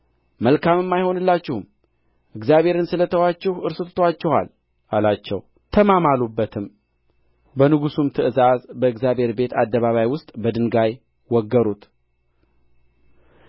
መልካምም አይሆንላችሁም እግዚአብሔርን ስለ ተዋችሁ እርሱ ትቶአችኋል አላቸው ተማማሉበትም በንጉሡም ትእዛዝ በእግዚአብሔር ቤት አደባባይ ውስጥ በድንጋይ ወገሩት